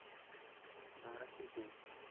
nari keting